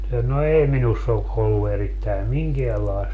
no ei minussa ole ollut erittäin minkäänlaista